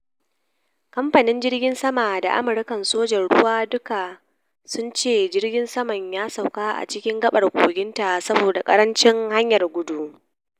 Kamfanin jirgin sama da Amurka Sojan ruwa duka sun ce jirgin saman ya sauka a cikin gabar kogin ta saboda karancin hanyar gudu.